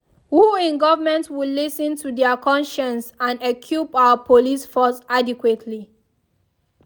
Who in government will listen to their conscience and equip our police force adequately?